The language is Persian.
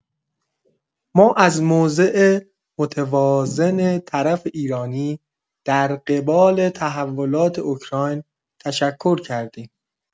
ما از موضع متوازن طرف ایرانی در قبال تحولات اوکراین تشکر کردیم.